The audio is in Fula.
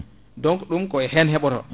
donc ɗum koye hen heɓato